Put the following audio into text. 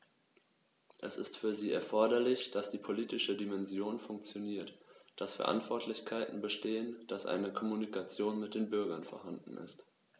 Es ist für sie erforderlich, dass die politische Dimension funktioniert, dass Verantwortlichkeiten bestehen, dass eine Kommunikation mit den Bürgern vorhanden ist.